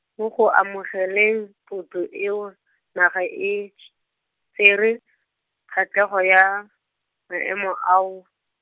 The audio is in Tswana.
mo go amogeleng, tlotlo eo, naga e ts-, tsere, kgatlego ya, maemo ao.